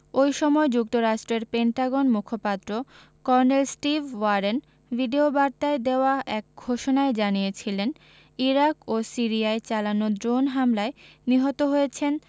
ওই সময় যুক্তরাষ্ট্রের পেন্টাগন মুখপাত্র কর্নেল স্টিভ ওয়ারেন ভিডিওবার্তায় দেওয়া এক ঘোষণায় জানিয়েছিলেন ইরাক ও সিরিয়ায় চালানো ড্রোন হামলায় নিহত হয়েছেন